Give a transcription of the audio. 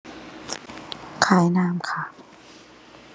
ขายน้ำค่ะ